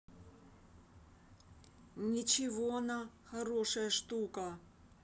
ничего на хорошая штука